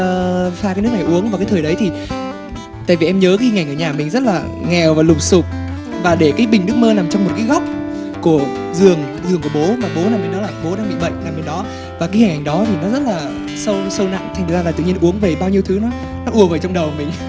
pha cái nước này uống và cái thời đấy thì tại vì em nhớ cái hình ảnh ở nhà mình rất là nghèo và lụp xụp và để cái bình nước mơ nằm trong một cái góc của giường giường của bố mà bố nằm bên đó là bố đang bị bệnh nằm bên đó và cái hình ảnh đó thì nó rất là sâu sâu nặng thành ra là tự nhiên uống về bao nhiêu thứ nó nó ùa về trong đầu mình